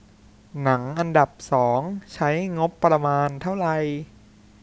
หนังอันดับสองใช้งบประมาณเท่าไหร่